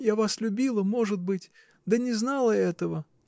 Я вас любила, может быть, да не знала этого.